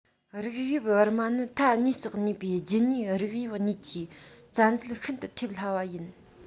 རིགས དབྱིབས བར མ ནི མཐའ གཉིས སུ གནས པའི རྒྱུད ཉེའི རིགས དབྱིབས གཉིས ཀྱིས བཙན འཛུལ ཤིན ཏུ ཐེབས སླ བ ཡིན